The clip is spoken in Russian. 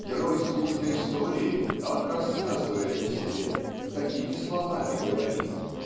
Герой "Скучной истории" так рассказывает о себе такими словами говорит